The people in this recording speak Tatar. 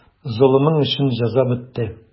Золымың өчен җәза бетте.